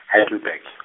Heidelberg.